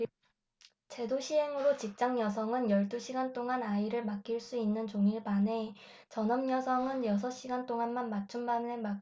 제도 시행으로 직장여성은 열 두 시간 동안 아이를 맡길 수 있는 종일반에 전업여성은 여섯 시간 동안만 맞춤반에 맡길 수 있도록 했다